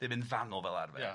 ddim yn fanwl fel arfer... Ia...